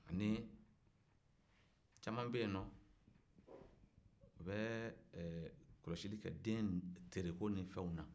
ani caman bɛ yen no u bɛ kɔlɔsili kɛ den terew ni fɛnw na